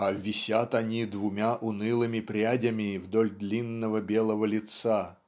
а "висят они двумя унылыми прядями вдоль длинного белого лица"